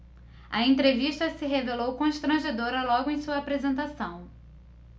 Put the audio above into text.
a entrevista se revelou constrangedora logo em sua apresentação